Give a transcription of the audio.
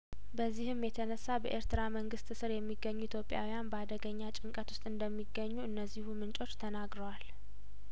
በዚህም የተነሳ በኤርትራ መንግስት ስር የሚገኙ ኢትዮጵያውያን በአደገኛ ጭንቀት ውስጥ እንደሚገኙ እነዚሁ ምንጮች ተናግረዋል